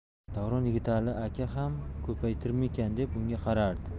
davron yigitali aka ham ko'ryaptimikin deb unga qaradi